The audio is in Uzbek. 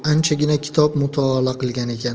bo'lib anchagina kitob mutolaa qilgan ekan